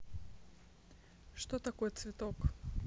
что такое цветок